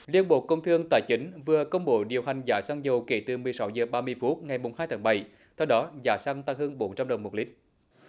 liên bộ công thương tài chính vừa công bố điều hành giá xăng dầu kể từ mười sáu giờ ba mươi phút ngày mùng hai tháng bảy theo đó giá xăng tăng hơn bốn trăm đồng một lít